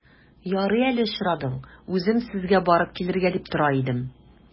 Ярый әле очрадың, үзем сезгә барып килергә дип тора идем.